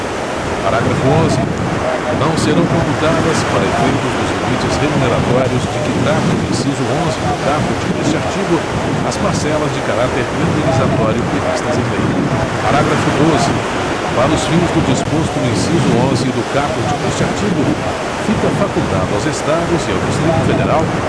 parágrafo onze não serão computadas para efeito dos limites remuneratórios de que trata o inciso onze do caput deste artigo as parcelas de caráter indenizatório previstas em lei parágrafo doze para os fins do disposto no inciso onze do caput deste artigo fica facultado aos estados e ao distrito federal